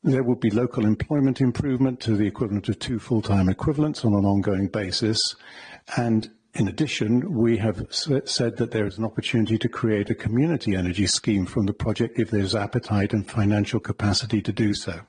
There will be local employment improvement to the equivalent of two full-time equivalents on an ongoing basis, and, in addition, we have s- said that there is an opportunity to create a community energy scheme from the project if there is appetite and financial capacity to do so.